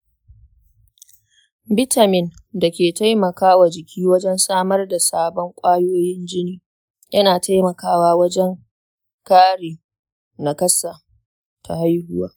bitamin dake taimakawa jiki wajen samar da sabon kwayoyin jini yana taimakawa wajen kare nakasa ta haihuwa